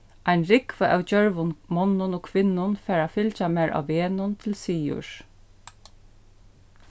ein rúgva av djørvum monnum og kvinnum fara at fylgja mær á vegnum til sigurs